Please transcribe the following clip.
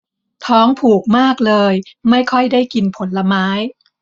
ทองผูกมากเลยไม่ค่อยได้กินผลไม้